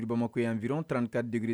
Bamamako yan fi dɔrɔnw tati ka dg